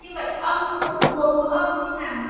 như vậy một số âm khi nào